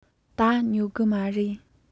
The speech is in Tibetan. ད ཉོ གི མ རེད